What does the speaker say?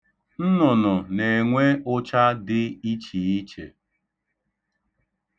Nnụnụ na-enwe ụcha dị ichiiche.